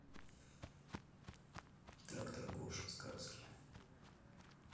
трактор гоша сказки